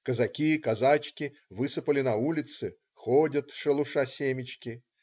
Казаки, казачки высыпали на улицы, ходят, шелуша семечки.